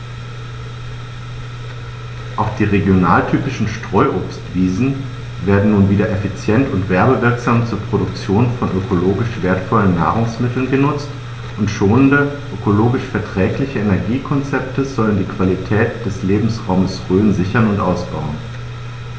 Auch die regionaltypischen Streuobstwiesen werden nun wieder effizient und werbewirksam zur Produktion von ökologisch wertvollen Nahrungsmitteln genutzt, und schonende, ökologisch verträgliche Energiekonzepte sollen die Qualität des Lebensraumes Rhön sichern und ausbauen.